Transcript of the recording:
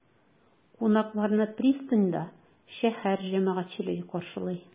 Кунакларны пристаньда шәһәр җәмәгатьчелеге каршылый.